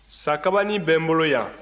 sakabanin bɛ n bolo yan